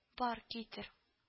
Бар китер